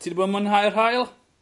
Ti 'di bod yn mwynhau'r haul?